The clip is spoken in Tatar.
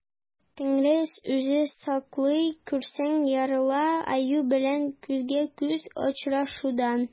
Тәңре үзе саклый күрсен яралы аю белән күзгә-күз очрашудан.